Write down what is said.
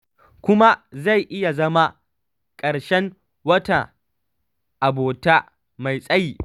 Kuma zai iya zama ƙarshen wata abota mai tsayi.